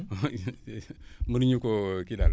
mënuñu koo kii daal